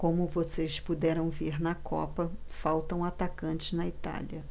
como vocês puderam ver na copa faltam atacantes na itália